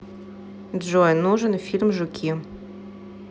джой нужен фильм жуки